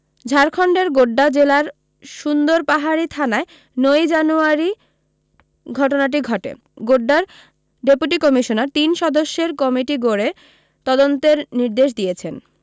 ঝাড়খণ্ডের গোড্ডা জেলার সুন্দরপাহাড়ি থানায় নয়ি জানুয়ারি ঘটনাটি ঘটে গোড্ডার ডেপুটি কমিশনার তিন সদস্যের কমিটি গড়ে তদন্তের নির্দেশ দিয়েছেন